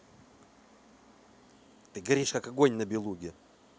ты горишь как огонь на белуге